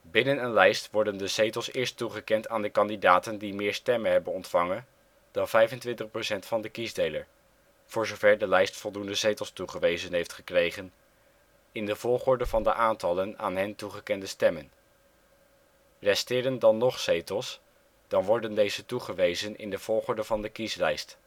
Binnen een lijst worden de zetels eerst toegekend aan de kandidaten die meer stemmen hebben ontvangen dan 25 % van de kiesdeler (voor zover de lijst voldoende zetels toegewezen heeft gekregen), in de volgorde van de aantallen aan hen toegekende stemmen. Resteren dan nog zetels, dan worden deze toegewezen in de volgorde van de kieslijst